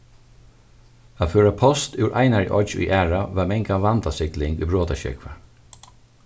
at føra post úr einari oyggj í aðra var mangan vandasigling í brotasjógvi